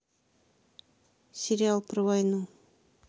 сериал про войну